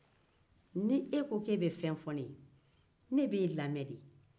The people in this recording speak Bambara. ni e ko k'i be fɛn fɔ ne ye ne b'i lamɛn de